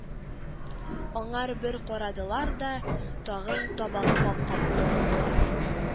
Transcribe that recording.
Аңар бер карадылар да, тагын табакка капландылар